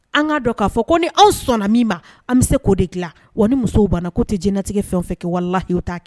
An ŋ'a dɔn k'a fɔ ko ni anw sɔnna min ma an be se k'o de dilan wa ni musow banna k'u te dɲɛnatigɛ fɛn fɛn kɛ walahi u t'a kɛ